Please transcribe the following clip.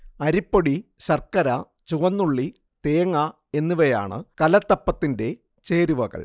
അരിപ്പൊടി, ശർക്കര, ചുവന്നുള്ളി, തേങ്ങ എന്നിവയാണ് കലത്തപ്പത്തിന്റെ ചേരുവകൾ